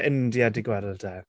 India 'di gweld e?